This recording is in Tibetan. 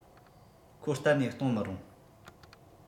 ཁོ གཏན ནས གཏོང མི རུང